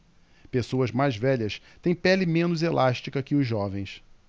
pessoas mais velhas têm pele menos elástica que os jovens